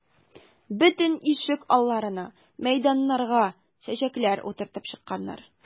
Бөтен ишек алларына, мәйданнарга чәчәкләр утыртып чыкканнар.